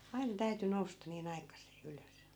aina täytyi nousta niin aikaiseen ylös